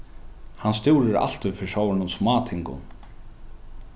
hann stúrir altíð fyri sovorðnum smátingum